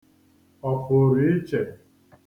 ọ̀pụ̀rụ̀ichè